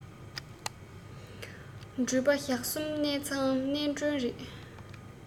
འགྲུལ པ ཞག གསུམ གནས ཚང གནས མགྲོན རེད